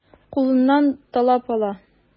Кулыннан талап ала.